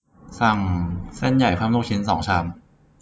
สั่งเส้นใหญ่เพิ่มลูกชิ้นสองชาม